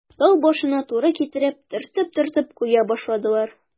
Тау башына туры китереп, төртеп-төртеп коя башладылар.